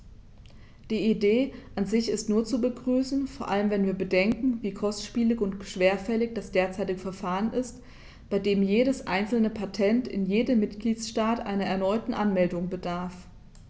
Die Idee an sich ist nur zu begrüßen, vor allem wenn wir bedenken, wie kostspielig und schwerfällig das derzeitige Verfahren ist, bei dem jedes einzelne Patent in jedem Mitgliedstaat einer erneuten Anmeldung bedarf.